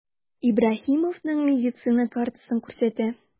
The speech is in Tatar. Ибраһимовның медицина картасын күрсәтә.